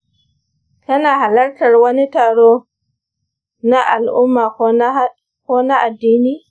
kana halartar wani taro na al'umma ko na addini?